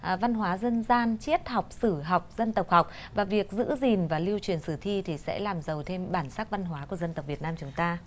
à văn hóa dân gian triết học sử học dân tộc học và việc giữ gìn và lưu truyền sử thi thì sẽ làm giàu thêm bản sắc văn hóa của dân tộc việt nam chúng ta